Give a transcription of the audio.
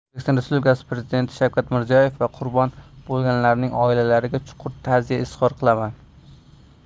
o'zbekiston respublikasi prezidenti shavkat mirziyoyev va qurbon bo'lganlarning oilalariga chuqur ta'ziya izhor qilaman